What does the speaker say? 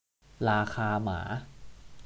ราคาหมา